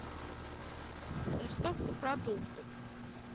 доставка продуктов